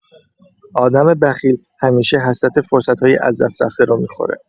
آدم بخیل همیشه حسرت فرصت‌های از دست رفته رو می‌خوره.